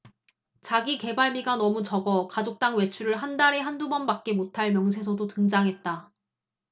자기계발비가 너무 적어 가족당 외출을 한 달에 한 두 번밖에 못할 명세서도 등장했다